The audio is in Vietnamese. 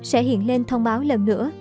sẽ hiện lên thông báo lần nữa